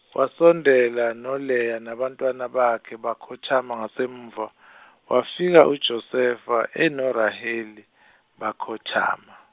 wasondela noLeya nabantwana bakhe bakhothama ngasemuva, wafika uJosefa enoRaheli, bakhothama.